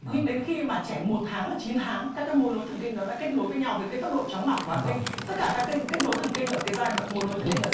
nhưng đến khi mà trẻ một tháng chín tháng các cái mối nối thần kinh nó đã kết nối với nhau với cái tốc độ chóng mặt và tất cả các cái kết nối thần kinh ở cái giai đoạn mối nối thần kinh ở